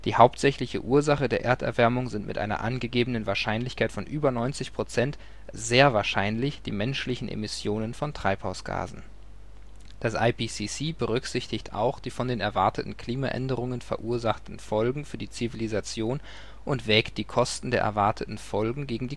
hauptsächliche Ursache der Erderwärmung sind mit einer angegebenen Wahrscheinlichkeit von über 90 %„ sehr wahrscheinlich “die menschlichen Emissionen von Treibhausgasen. Das IPCC berücksichtigt auch die von den erwarteten Klimaänderungen verursachten Folgen für die Zivilisation und wägt die Kosten der erwarteten Folgen gegen die